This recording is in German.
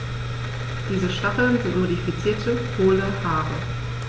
Diese Stacheln sind modifizierte, hohle Haare.